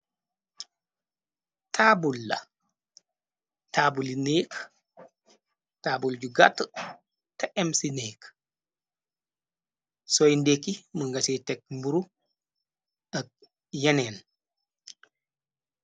Taabul la taabuli neek taabul ju gàtt te em ci néek soy ndékki munga ci tekk mburu ak yeneen.